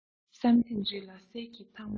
བསམ ཐེངས རེ ལ གསེར གྱི ཐང མ མཐོང